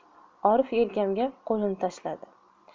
orif yelkamga qo'lini tashladi